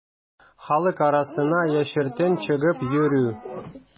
Халык арасына яшертен чыгып йөрү.